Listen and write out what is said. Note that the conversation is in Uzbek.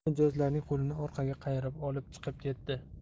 va mijozlarning qo'lini orqaga qayirib olib chiqib ketdi